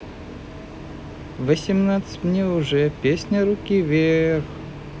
восемнадцать мне уже песня руки вверх